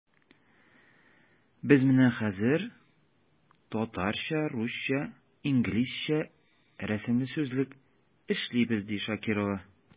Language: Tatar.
Без менә хәзер “Татарча-русча-инглизчә рәсемле сүзлек” эшлибез, ди Шакирова.